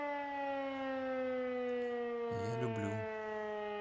я люблю